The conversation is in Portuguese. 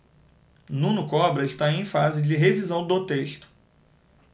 nuno cobra está em fase de revisão do texto